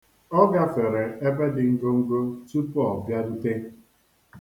Ọ gafere ebe dị ngongo tupu ọ bịarute.